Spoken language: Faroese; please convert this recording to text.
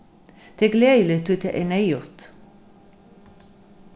tað er gleðiligt tí tað er neyðugt